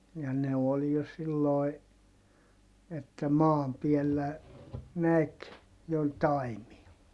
ja ne oli jo silloin että maan päällä näki jo taimia